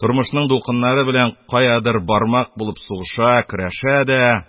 Тормышның дулкыннары белән каядыр бармак булып сугыша, көрәшә дә